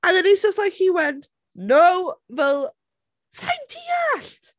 and then it's just like he went, no... well, sai'n deallt!